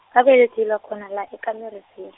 ngabelethelwa khona la e- Kameelrivier.